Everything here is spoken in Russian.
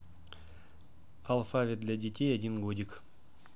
алфавит для детей один годик